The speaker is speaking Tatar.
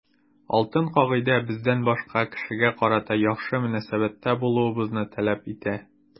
Алтын кагыйдә бездән башка кешегә карата яхшы мөнәсәбәттә булуыбызны таләп итә.